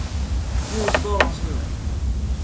nú er stovan so rein